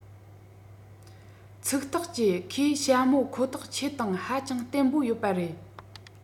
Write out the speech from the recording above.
ཚིག ཐག བཅད ཁོས ཞྭ མོ ཁོ ཐག ཁྱེད དང ཧ ཅང བརྟན པོ ཡོད པ རེད